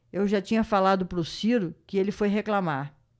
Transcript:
eu já tinha falado pro ciro que ele foi reclamar